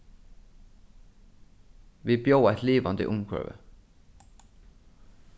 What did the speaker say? vit bjóða eitt livandi umhvørvi